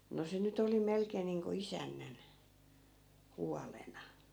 no se nyt oli melkein niin kuin isännän huolena